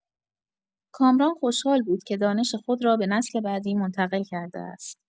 کامران خوشحال بود که دانش خود را به نسل بعدی منتقل کرده است.